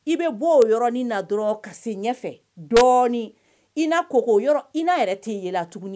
I bɛ bɔ o yɔrɔ nin na dɔrɔn ka se ɲɛfɛ dɔɔnin INA kogo, yɔrɔ INA yɛrɛ tɛ ye la tuguni